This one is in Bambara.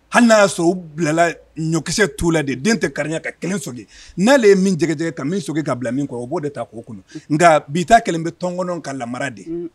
Hali na ya sɔrɔ u bilala ɲɔkisɛ tu la de . Den tɛ kariya ka kelen soki. Nale ye min jɛgɛtigɛ ka min sogin ka bila min kɔ o bo de taa ko kɔnɔ. Nga bita kɛlen bɛ tɔnkɔnnɔ ka lamara de ye.